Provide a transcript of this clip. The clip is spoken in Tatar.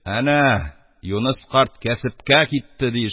«әнә юныс карт кәсепкә китте», — диешә